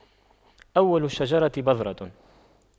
أول الشجرة بذرة